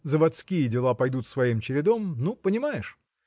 заводские дела пойдут своим чередом. ну, понимаешь?